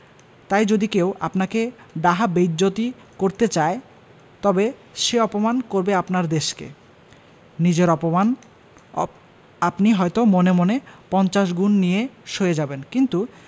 তাই যদি কেউ আপনাকে ডাহা বেইজ্জত্ করতে চায় তবে সে অপমান করবে আপনার দেশকে নিজের অপমান আপনি হয়ত মনে মনে পঞ্চাশ গুণ নিয়ে সয়ে যাবেন কিন্তু